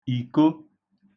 ìko